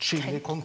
tenk.